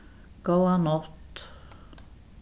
góða nátt